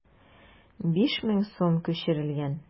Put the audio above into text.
5000 сум күчерелгән.